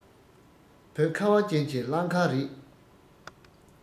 བོད ཁ བ ཅན གྱི བླ མཁར རེད